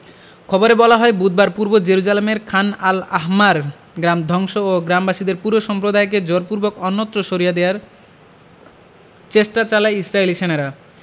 খবরে বলা হয় বুধবার পূর্ব জেরুজালেমের খান আল আহমার গ্রাম ধ্বংস ও গ্রামবাসীদের পুরো সম্প্রদায়কে জোরপূর্বক অন্যত্র সরিয়ে নেয়ার চেষ্টা চালায় ইসরাইলি সেনারা